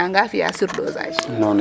Nangaa fi'aa surdosage?